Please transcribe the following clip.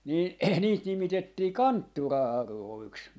niin niitä nimitettiin kanttura-auroiksi